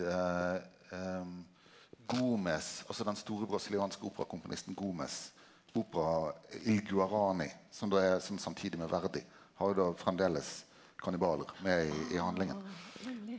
Gomes altså den store brasilianske operakomponisten Gomes opera Il Guarany som då er sånn samtidig med Verdi har då framleis kannibalar med i handlinga.